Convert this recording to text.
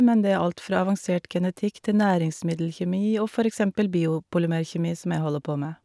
Men det er alt fra avansert genetikk til næringsmiddelkjemi og for eksempel biopolymerkjemi, som jeg holder på med.